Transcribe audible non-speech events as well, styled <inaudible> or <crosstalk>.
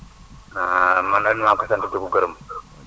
<noise> <hesitation> man nag maa ngi koy sant di ko gërëm